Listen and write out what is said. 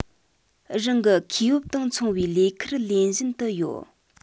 རང གི འཁོས བབ དང མཚུངས པའི ལས ཁུར ལེན བཞིན དུ ཡོད